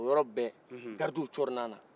o yɔrɔ bɛ gardiw cɔrinan na